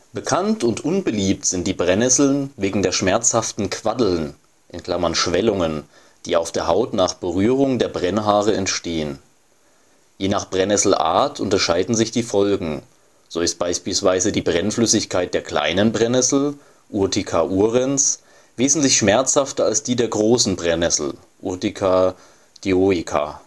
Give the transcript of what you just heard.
Bekannt und unbeliebt sind die Brennnesseln wegen der schmerzhaften Quaddeln (Schwellungen), die auf der Haut nach Berührung der Brennhaare entstehen. Je nach Brennnesselart unterscheiden sich die Folgen, so ist beispielsweise die Brennflüssigkeit der Kleinen Brennnessel (Urtica urens) wesentlich schmerzhafter als die der Großen Brennnessel (Urtica dioica